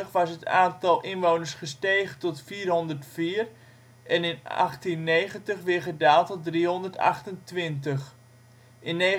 was het aantal inwoners gestegen tot 404 en in 1890 weer gedaald tot 328. In 1919